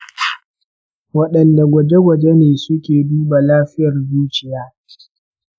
waɗanne gwaje-gwaje ne suke duba lafiyar zuciya?